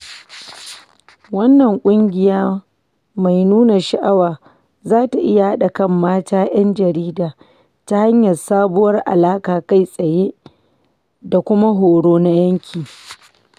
Wannan ƙungiya mai nuna sha'awa za ta iya haɗa kan mata 'yan jarida ta hanyar sabuwar alaƙa kai-tsaye da kuma horo na yanki.